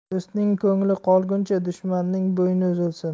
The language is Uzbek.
do'stning ko'ngli qolguncha dushmanning bo'yni uzilsin